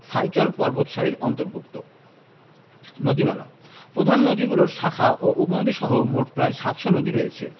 সাইচল পর্বতসারির অন্তর্ভূক্ত নদীমালাঃ প্রধান নদীগুলোর শাখা ও উপনদীসহ মোট প্রায় ৭০০ নদী রয়েছে